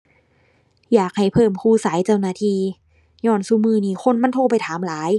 อยากให้เพิ่มคู่สายเจ้าหน้าที่ ญ้อนซุมื้อนี้คนมันโทรไปถามหลาย